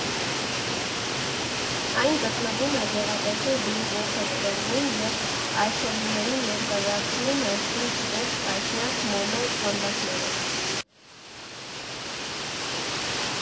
Այն գտնվում է գեղատեսիլ Բլուվոթերս կղզում և այցելուներին ներկայանում է շուրջ վեց տասնյակ մոմե քանդակներով։